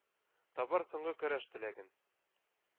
Табар соңгы көрәш теләген.